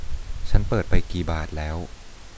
ฉันเปิดไปกี่บาทแล้ว